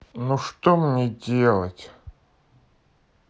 ну что мне делать